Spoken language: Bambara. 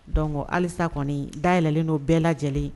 Don halisa kɔni dayɛlɛnlen n'o bɛɛ lajɛlen